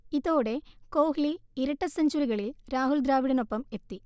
ഇതോടെ കോഹ്ലി ഇരട്ട സെഞ്ചുറികളിൽ രാഹുൽ ദ്രാവിഡിനൊപ്പം എത്തി